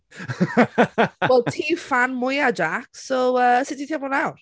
Wel, ti yw ffan mwyaf Jacques, so yy sut ti'n teimlo nawr?